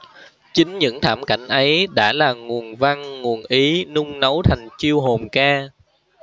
chính những thảm cảnh ấy đã là nguồn văn nguồn ý nung nấu thành chiêu hồn ca